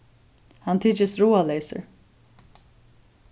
hann tyktist ráðaleysur